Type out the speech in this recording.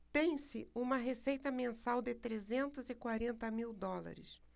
tem-se uma receita mensal de trezentos e quarenta mil dólares